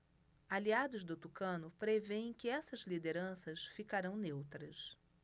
aliados do tucano prevêem que essas lideranças ficarão neutras